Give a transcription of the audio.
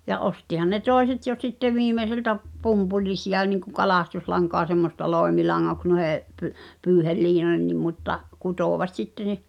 ja ostihan ne toiset jo sitten viimeiseltä pumpulisia niin kuin kalastuslankaa semmoista loimilangoiksi noihin - pyyheliinoihinkin mutta kutoivat sitten ne